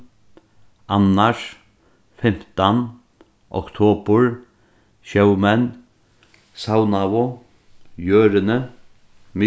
annars fimtan oktobur sjómenn savnaðu jørðini